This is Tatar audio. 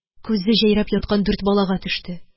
Күзе җәйрәп яткан дүрт балага төште